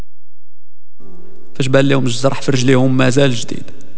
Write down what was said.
ايش به اليوم الزعفران اليوم ما زال جديد